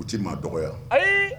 U ti maa dɔgɔya ayi